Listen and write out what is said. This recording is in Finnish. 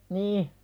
niin